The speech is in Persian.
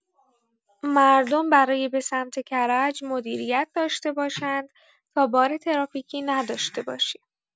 مردم برای به سمت کرج مدیریت داشته باشند تا بار ترافیکی نداشته باشیم.